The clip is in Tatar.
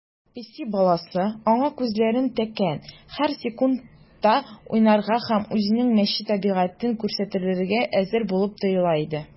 Песи баласы, аңа күзләрен текәп, һәр секундта уйнарга һәм үзенең мәче табигатен күрсәтергә әзер булып тоела иде.